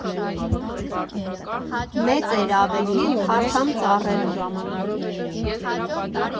Մեծ էր ավելի, փառթամ ծառերով։